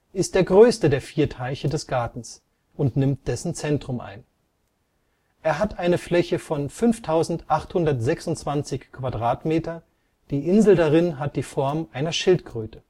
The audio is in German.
ist der größte der vier Teiche des Gartens und nimmt dessen Zentrum ein. Er hat eine Fläche von 5826 qm, die Insel darin hat die Form einer Schildkröte